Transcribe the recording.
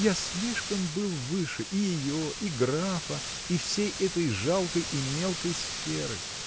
я слишком был выше и ее, и графа, и всей этой жалкой и мелкой сферы